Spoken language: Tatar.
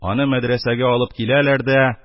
Аны мәдрәсәгә алып киләләр дә